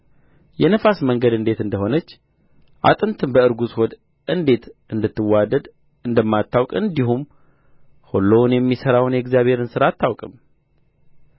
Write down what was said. የነፋስ መንገድ እንዴት እንደ ሆነች አጥንትም በእርጉዝ ሆድ እንዴት እንድትዋደድ እንደማታውቅ እንዲሁም ሁሉን የሚሠራውን የእግዚአብሔርን ሥራ አታውቅም